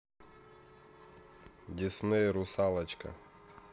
дисней русалочка